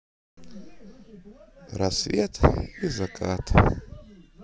рассветы и закат